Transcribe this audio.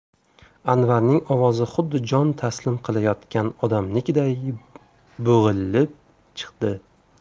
anvarning ovozi xuddi jon taslim qilayotgan odamnikiday bo'g'ilib chiqdi